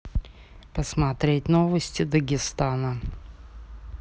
посмотреть новости дагестана